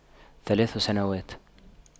ثلاث سنوات